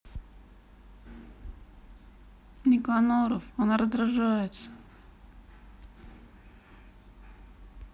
никоноров она раздражается